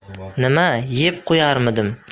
nima yeb qo'yarmidim